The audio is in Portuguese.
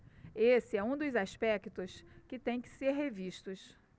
esse é um dos aspectos que têm que ser revistos